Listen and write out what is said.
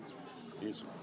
bien sûr